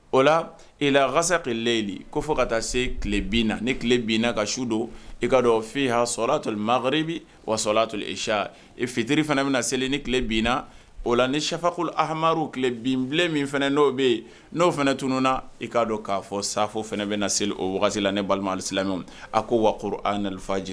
O la e la walasa tilelɛyili ko fɔ ka taa se tile binina ni tile binina ka su don i ka dɔn fi sɔ tɔ makarire bi wa sɔc fitiri fana bɛna na seli ni tile binina o la ni safakoha amadu bin min fana n'o bɛ yen n'o fana tunun na i k kaa dɔn k'a fɔ safo fana bɛ na seli o ne balimasila a ko wa nanfaji